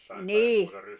niin